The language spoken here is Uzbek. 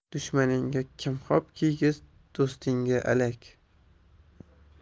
dushmaningga kimxob kiygiz do'stingga alak